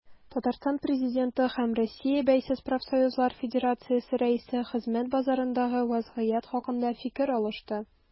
Татарстан Президенты һәм Россия Бәйсез профсоюзлар федерациясе рәисе хезмәт базарындагы вәзгыять хакында фикер алышты.